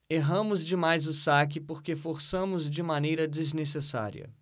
erramos demais o saque porque forçamos de maneira desnecessária